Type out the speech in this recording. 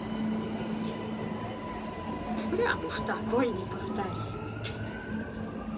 прям уж такой неповторимый